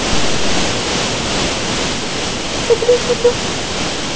люблю люблю